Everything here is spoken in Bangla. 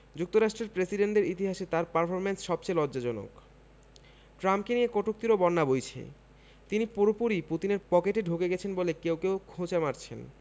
যুক্তরাষ্ট্রের প্রেসিডেন্টদের ইতিহাসে তাঁর পারফরমেন্স সবচেয়ে লজ্জাজনক ট্রাম্পকে নিয়ে কটূক্তিরও বন্যা বইছে তিনি পুরোপুরি পুতিনের পকেটে ঢুকে গেছেন বলে কেউ কেউ খোঁচা মারছেন